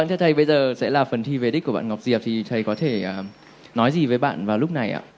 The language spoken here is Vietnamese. vâng thưa thầy bây giờ sẽ là phần thi về đích của bạn ngọc diệp thì thầy có thể nói gì với bạn vào lúc này ạ